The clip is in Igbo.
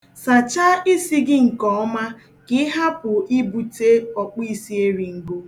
Sachaa isi gị nkeọma ka ịhapu i bute ọkpụisieringo